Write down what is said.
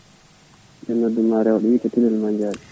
mbiɗo nodduma Rewo ɗo wiyete Tulel Mandiaye